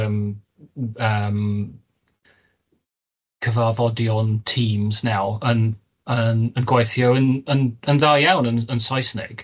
yym m- yym, cyfarfodion Teams naw' yn yn yn gweithio yn yn yn dda iawn yn yn Saesneg.